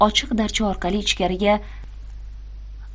ochiq darcha orqali ichkariga